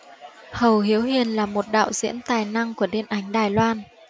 hầu hiếu hiền là một đạo diễn tài năng của điện ảnh đài loan